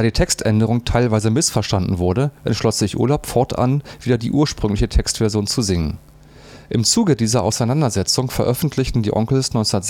Textänderung teilweise missverstanden wurde, entschloss sich Urlaub, fortan wieder die ursprüngliche Textversion zu singen. Im Zuge dieser Auseinandersetzung veröffentlichten die Onkelz 1996